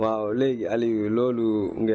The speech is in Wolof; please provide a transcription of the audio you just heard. kon dangeen di kaas ñu ànd ak yéen